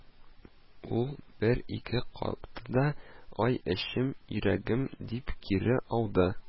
Ул бер-ике капты да, "ай эчем, йөрәгем", – дип кире ауды